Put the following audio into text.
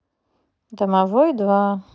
домовой два